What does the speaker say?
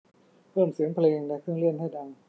เพิ่มเสียงเพลงในเครื่องเล่นให้ดัง